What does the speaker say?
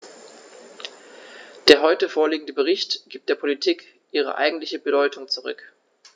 Der heute vorliegende Bericht gibt der Politik ihre eigentliche Bedeutung zurück.